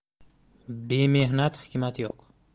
bemehnat hikmat yo'q